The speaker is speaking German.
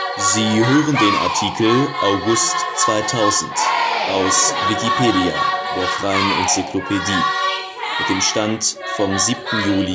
Sie hören den Artikel August 2000, aus Wikipedia, der freien Enzyklopädie. Mit dem Stand vom Der